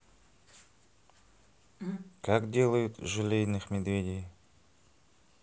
как делают желейных медведей